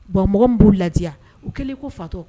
Bon mɔgɔ n b'u ladiyaya u kɛlen ko fatɔ